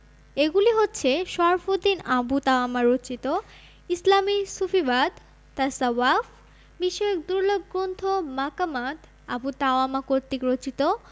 এগুলি হচ্ছে শরফুদ্দীন আবু তাওয়ামা রচিত ইসলামি সুফিবাদ তাছাওয়াফ বিষয়ক দুর্লভ গ্রন্থ মাকামাত আবু তাওয়ামা কর্তৃক রচিত